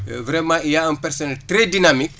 vraiment y' a un personnel très dynamique